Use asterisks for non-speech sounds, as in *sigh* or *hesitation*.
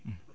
*hesitation* *hesitation*